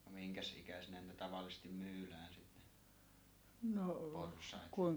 no minkäs ikäisinä ne tavallisesti myydään sitten porsaat